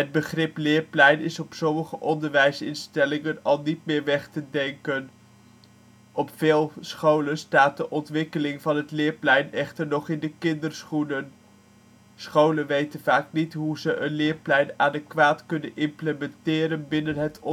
begrip leerplein is op sommige onderwijsinstellingen al niet meer weg te denken. Op veel scholen staat de ontwikkeling van het leerplein echter nog in de kinderschoenen. Scholen weten vaak niet hoe ze een leerplein adequaat kunnen implementeren binnen het onderwijssysteem